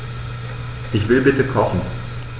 Ich will bitte kochen.